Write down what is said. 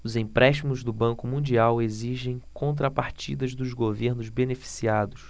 os empréstimos do banco mundial exigem contrapartidas dos governos beneficiados